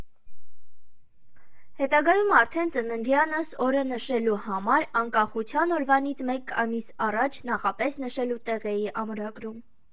Հետագայում արդեն ծննդյանս օրը նշելու համար Անկախության օրվանից մեկ ամիս առաջ նախապես նշելու տեղ էի ամրագրում։